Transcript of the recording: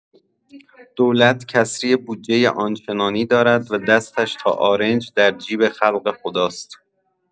دولت کسری بودجه آنچنانی دارد و دستش تا آرنج در جیب خلق خداست!